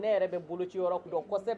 Ne yɛrɛ bɛ bolociyɔrɔw dɔn kosɛbɛ